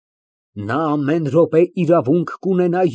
Շնորհակալ եմ։ (Նայելով եղունգներին)։ Գիտես, սիրելիս, մեր ժամանակի միակ գերիշխանը բանականությունն է։